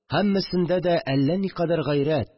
Һәммәсендә дә әллә никадәр гайрәт